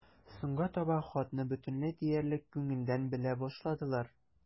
Соңга таба хатны бөтенләй диярлек күңелдән белә башладылар.